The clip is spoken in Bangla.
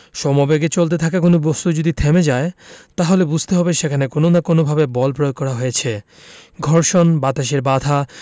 সমবেগে চলতে থাকা কোনো বস্তু যদি থেমে যায় তাহলে বুঝতে হবে সেখানে কোনো না কোনোভাবে বল প্রয়োগ করা হয়েছে ঘর্ষণ বাতাসের বাধা